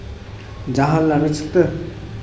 jahllari chiqdi